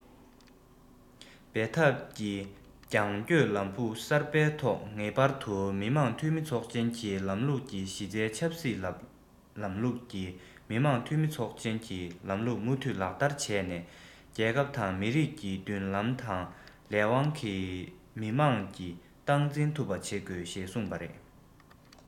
འབད འཐབ ཀྱི རྒྱང སྐྱོད ལམ བུ གསར པའི ཐོག ངེས པར དུ མི དམངས འཐུས མི ཚོགས ཆེན གྱི ལམ ལུགས ཀྱི གཞི རྩའི ཆབ སྲིད ལམ ལུགས ཀྱི མི དམངས འཐུས མི ཚོགས ཆེན གྱི ལམ ལུགས མུ མཐུད ལག བསྟར བྱས ནས རྒྱལ ཁབ དང མི རིགས ཀྱི མདུན ལམ དང ལས དབང མི དམངས ཀྱིས སྟངས འཛིན ཐུབ པ བྱེད དགོས ཞེས གསུངས པ རེད